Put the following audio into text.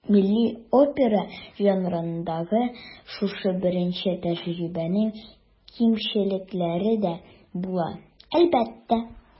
Милли опера жанрындагы шушы беренче тәҗрибәнең кимчелекләре дә була, әлбәттә.